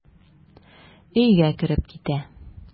Өйгә кереп китә.